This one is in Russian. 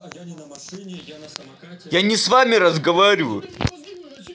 я не с вами разговариваю